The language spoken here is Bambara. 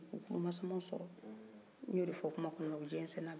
n y'o de fɔ kuma kɔnɔ u jɛnsɛnna bɛɛ carila bɛɛ tar'i ka sigi yɔrɔ la